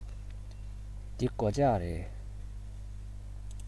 འདི སྒོ ལྕགས རེད